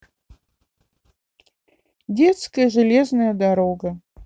детская железная дорога